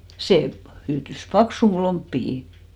se - hyytyi paksuun lomppiin